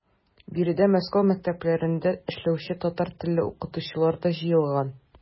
Биредә Мәскәү мәктәпләрендә эшләүче татар телле укытучылар да җыелган.